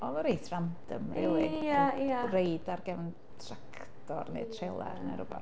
Oedd o'n reit random rili, reid a'r gefn tractor neu trelar neu rwbath.